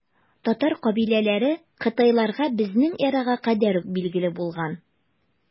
Татар кабиләләре кытайларга безнең эрага кадәр үк билгеле булган.